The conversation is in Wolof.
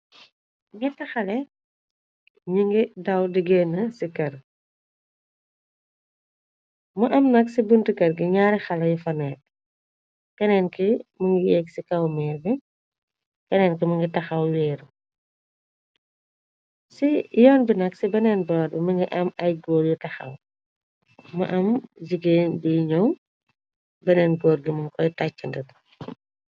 Nyetti xale ñu ngi daw diggéena ci kër mu am nag ci bint kër gi ñaari xale yu fanak keneen ki mi ngi yégg ci kawmeer bi keneen ki mu ngi taxaw wéeru ci yoon bi nag ci beneen boor bi më ngi am ay gór yu taxaw mu am jigéen di ñëw beneen góor bi mum koy tàcc ndet.